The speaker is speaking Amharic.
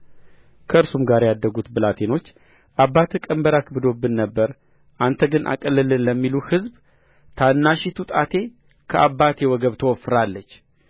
ከእርሱም ጋር ያደጉት ብላቴኖች አባትህ ቀንበር አክብዶብን ነበር አንተ ግን አቅልልልን ለሚሉህ ሕዝብ ታናሽቱ ጣቴ ከአባቴ ወገብ ትወፍራለች